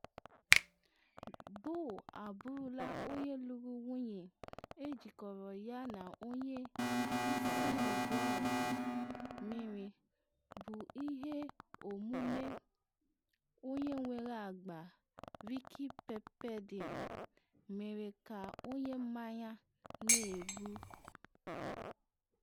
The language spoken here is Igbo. Bough abụrụla onye lụrụ nwunye, ejikọrọ ya na onye isi ngwa ọgụ mmiri, bụ ihe omume onye nwere agba Vicki Pepperdine mere ka onye mmanya na-egbu.